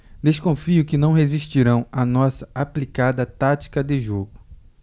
desconfio que não resistirão à nossa aplicada tática de jogo